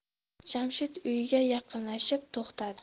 jamshid uyga yaqinlashib to'xtadi